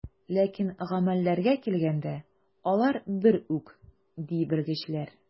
Ләкин гамәлләргә килгәндә, алар бер үк, ди белгечләр.